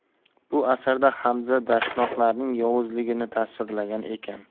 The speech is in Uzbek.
bu asarda hamza dashnoqlarning yovuzligini tasvirlagan ekan